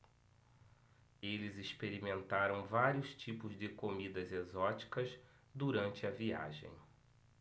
eles experimentaram vários tipos de comidas exóticas durante a viagem